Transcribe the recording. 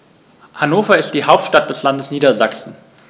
Hannover ist die Hauptstadt des Landes Niedersachsen.